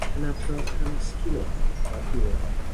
yn adrodd hanes Culwch mab Cilyn